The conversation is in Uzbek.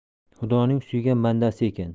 xudoning suygan bandasi ekan